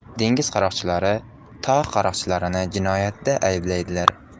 dengiz qaroqchilari tog' qaroqchilarini jinoyatda ayblaydilar